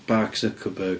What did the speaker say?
Bark Zuckerberg.